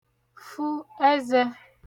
fu ẹzẹ